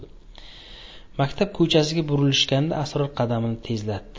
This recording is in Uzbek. maktab ko'chasiga burilishganda sror qadamini tezlatdi